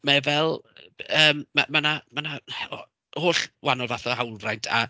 Mae e fel, yym ma' ma' 'na ma' na o holl wahanol fathau o hawlfraint a...